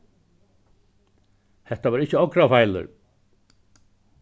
hetta var ikki okra feilur